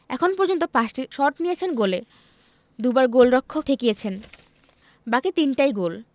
এখন পর্যন্ত ৫টি শট নিয়েছেন গোলে দুবার গোলরক্ষক ঠেকিয়েছেন বাকি তিনটাই গোল